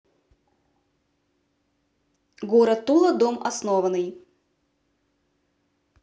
город тула дом основанный